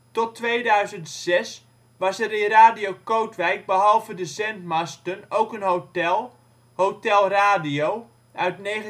Tot 2006 was er in Radio Kootwijk behalve de zendmasten ook een hotel, ' Hotel Radio ' uit 1921